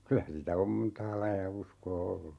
kyllä sitä on montaa lajia uskoa ollut